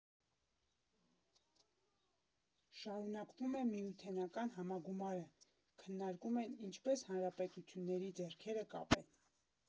Շարունակվում է Միութենական համագումարը, քննարկում են ինչպես հանրապետությունների ձեռքերը կապեն։